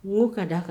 Wo ka d da a kan